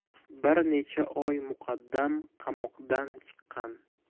bir necha oy muqaddam qamoqdan chiqqan